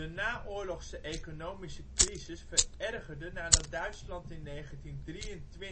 naoorlogse economische crisis verergerde nadat Duitsland in 1923 de